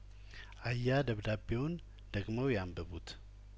አያደብዳቤውን ደግመው ያንብቡት